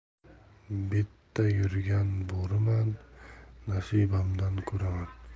betda yurgan bo'riman nasibamdan ko'raman